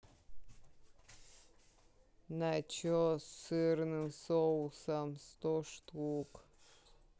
начос с сырным соусом сто штук